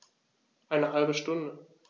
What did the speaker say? Eine halbe Stunde